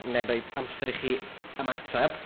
Wna i roid amser i chi ymateb